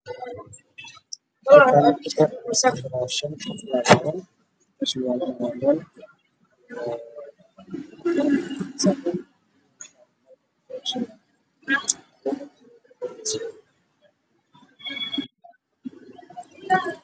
Meeshan waxaa yaalo calaalo laba shay